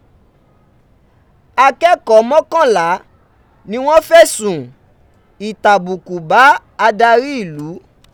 Akẹ́kọ̀ọ́ mọ́kànlá ni wọ́n fẹ̀sùn ìtàbùkù bá adarí ìlú.